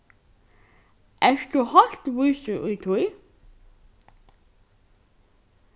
ert tú heilt vísur í tí